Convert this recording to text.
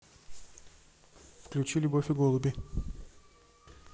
включи любовь и голуби